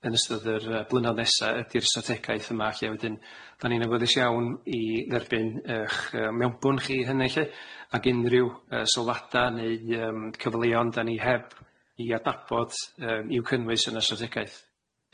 yn ystod yr yy blynod nesa ydi'r strategaeth yma lle wedyn, dan ni'n agweddus iawn i dderbyn ych yy mewnbwn chi hynny lle ag unrhyw yy sylwada neu yym cyfleon dan ni heb i adabod yym i'w cynnwys yn y strategaeth.